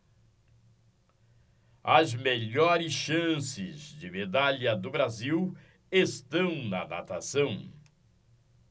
as melhores chances de medalha do brasil estão na natação